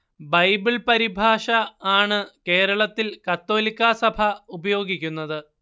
Bible പരിഭാഷ ആണ് കേരളത്തിൽ കത്തോലിക്കാ സഭ ഉപയോഗിക്കുന്നത്